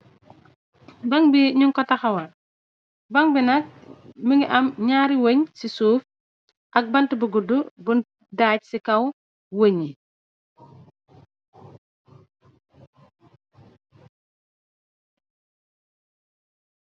Bang bi ñing ko taxawal bang bi nak mi ngi am ñaari weñ ci suuf ak bant bu guddu buñ daaj ci kaw wëñ yi.